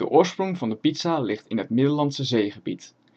oorsprong van de pizza ligt in het Middellandse Zeegebied